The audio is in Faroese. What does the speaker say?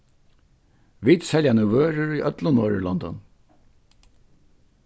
vit selja nú vørur í øllum norðurlondum